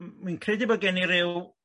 'wi'n credu bod gen i ryw